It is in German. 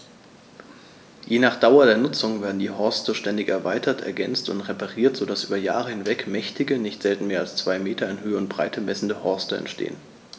Je nach Dauer der Nutzung werden die Horste ständig erweitert, ergänzt und repariert, so dass über Jahre hinweg mächtige, nicht selten mehr als zwei Meter in Höhe und Breite messende Horste entstehen.